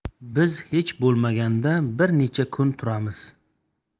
biz hech bo'lmaganda bir necha kun turamiz